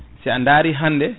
sa a daari hande